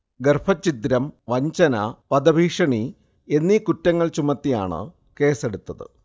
ഗർഭഛിദ്രം, വഞ്ചന, വധഭീഷണി എന്നീ കുറ്റങ്ങൾ ചുമത്തിയാണ് കേസെടുത്തത്